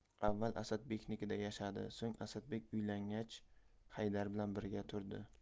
avval asadbeknikida yashadi so'ng asadbek uylangach haydar bilan birga turdi